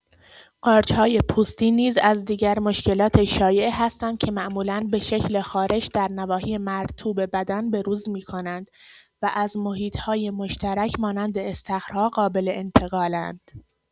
قارچ‌های پوستی نیز از دیگر مشکلات شایع هستند که معمولا به شکل خارش در نواحی مرطوب بدن بروز می‌کنند و از محیط‌های مشترک مانند استخرها قابل انتقال‌اند.